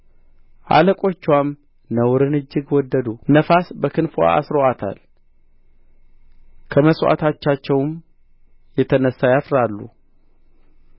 አለቆችዋም ነውርን እጅግ ወደዱ ነፋስ በክንፍዋ አስሮአታል ከመሥዋዕታቸውም የተነሣ ያፍራሉ